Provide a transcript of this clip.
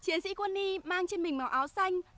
chiến sĩ quân y mang trên mình màu áo xanh